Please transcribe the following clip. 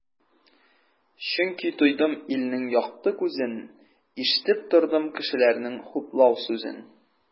Чөнки тойдым илнең якты күзен, ишетеп тордым кешеләрнең хуплау сүзен.